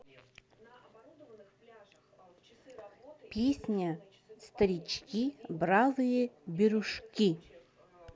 песня старички бравые берушки